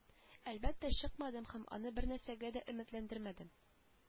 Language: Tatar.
Әлбәттә чыкмадым һәм аны бернәрсәгә дә өметләндермәдем